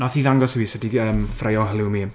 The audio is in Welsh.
Wnaeth hi ddangos i fi sut i yym ffreio halloumi.